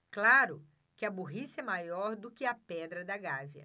claro que a burrice é maior do que a pedra da gávea